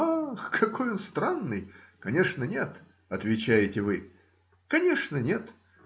- "Ах, какой он странный, конечно нет, - отвечаете вы: - конечно нет!